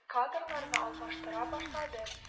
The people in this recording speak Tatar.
Кадрларны алмаштыра башлады